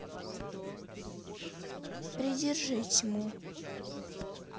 придержи тьму